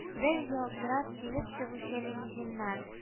Бер ялтырап килеп чыгучы лимузиннар